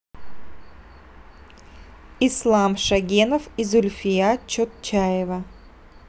ислам шогенов и зульфия чотчаева